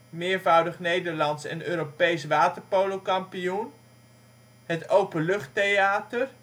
Meervoudig Nederlands en Europees waterpolokampioen. Openluchttheater